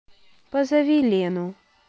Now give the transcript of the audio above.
позови лену